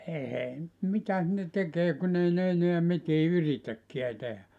ei nyt mitäs ne tekee kun ei ne enää mitään yritäkään tehdä